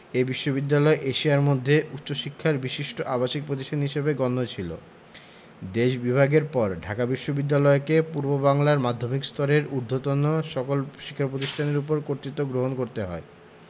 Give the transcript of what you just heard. এ বিশ্ববিদ্যালয় এশিয়ার মধ্যে উচ্চশিক্ষার বিশিষ্ট আবাসিক প্রতিষ্ঠান হিসেবে গণ্য ছিল দেশ বিভাগের পর ঢাকা বিশ্ববিদ্যালয়কে পূর্ববাংলার মাধ্যমিক স্তরের ঊধ্বর্তন সকল শিক্ষা প্রতিষ্ঠানের ওপর কর্তৃত্ব গ্রহণ করতে হয়